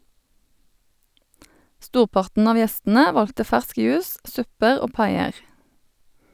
Storparten av gjestene valgte fersk juice, supper og paier.